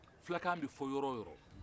fulakan bɛ fɔ yɔrɔ o yɔrɔ